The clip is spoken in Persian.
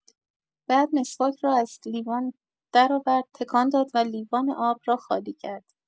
بعد مسواک را از لیوان درآورد، تکان داد و لیوان آب را خالی کرد.